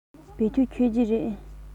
བོད ཐུག མཆོད ཀྱི རེད